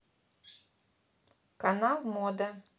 канал мода